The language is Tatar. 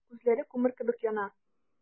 Күзләре күмер кебек яна.